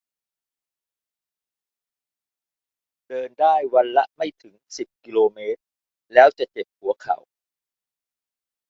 เดินได้วันละไม่ถึงสิบกิโลเมตรแล้วจะเจ็บหัวเข่า